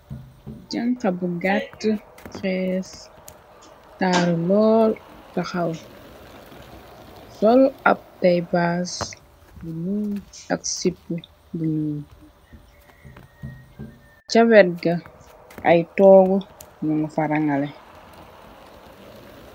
Janxa bu gatt xees taaru loo taxaw sol ab tay base bu ñul ak sipu bu ñul ca wegga ay toog nunu farangale.